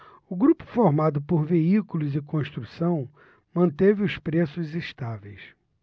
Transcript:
o grupo formado por veículos e construção manteve os preços estáveis